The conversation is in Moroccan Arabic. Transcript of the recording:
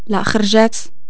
لا خرجات